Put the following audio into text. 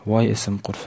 voy esim qursin